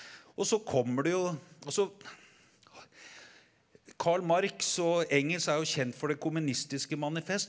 og så kommer det jo altså Karl Marx og Engels er jo kjent for Det Kommunistiske Manifest.